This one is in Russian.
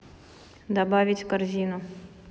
добавить в корзину